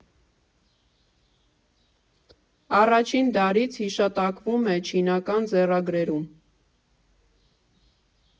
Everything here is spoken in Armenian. Առաջին դարից՝ հիշատակվում է չինական ձեռագրերում։